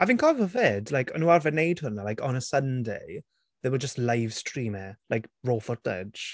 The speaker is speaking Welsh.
A fi'n cofio 'fyd, like, o'n nhw arfer wneud hwnna, like, on a Sunday, they would just livestream it like raw footage.